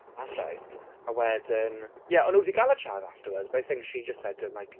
That's right. A wedyn, ie, o'n nhw 'di gael y chat afterwards, but I think she just said to him like...